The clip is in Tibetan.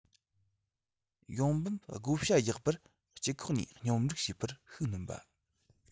ཡོང འབབ བགོ བཤའ རྒྱག པར སྤྱི ཁོག ནས སྙོམས སྒྲིག བྱེད པར ཤུགས སྣོན པ